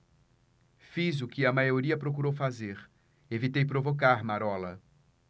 fiz o que a maioria procurou fazer evitei provocar marola